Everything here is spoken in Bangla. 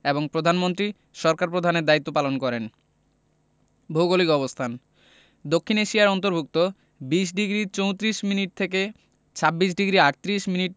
এবং প্রধানমন্ত্রী সরকার প্রধানের দায়িত্ব পালন করেন ভৌগোলিক অবস্থানঃ দক্ষিণ এশিয়ার অন্তর্ভুক্ত ২০ডিগ্রি ৩৪ মিনিট থেকে ২৬ ডিগ্রি ৩৮ মিনিট